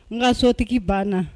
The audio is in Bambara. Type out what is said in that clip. N ka sotigi banna